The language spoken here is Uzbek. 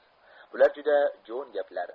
bular juda jo'n gaplar